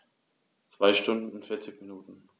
2 Stunden und 40 Minuten